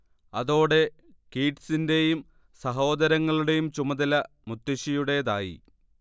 അതോടെ കീറ്റ്സിന്റേയും സഹോദരങ്ങളുടേയും ചുമതല മുത്തശ്ശിയുടേതായി